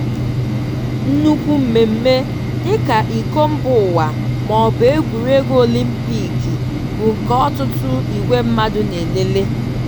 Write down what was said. Nnukwu mmemme dị ka Iko Mbaụwa maọbụ Egwuregwu Olimpiki bụ nke ọtụtụ ìgwè mmadụ na-elele.